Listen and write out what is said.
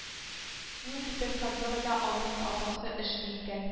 Ниндидер конторада аның апасы эшли икән